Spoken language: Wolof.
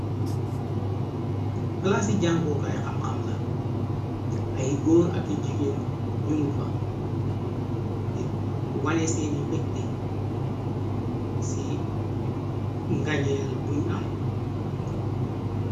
Palaci jangookaay xamxam la ay góor ak yi jugéen ñu ngi fa di wanee seeni mbékte ci ngañeel buñ am.